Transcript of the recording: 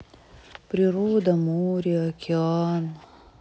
природа море океан